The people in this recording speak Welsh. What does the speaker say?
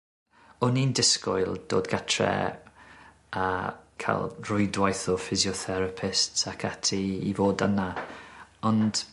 O'n i'n disgwyl dod gartre a ca'l rwydwaith o physiotherapists ac ati i fod yna, ond